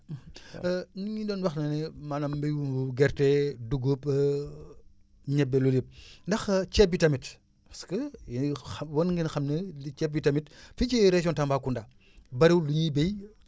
ñu ngi doon wax ne ne maanaam mbayum gerte dugub ñebe loolu yëpp ndax ceeb bi tamit parce que yéen a ngi xa war ngeen xam ne li ceeb bi tamit fii ci région Tambacounda bariwul li ñuy bay